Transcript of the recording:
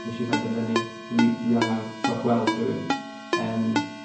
...nesh i benderfynu dwi, dwi angan, t'mo' gweld rhywun, yym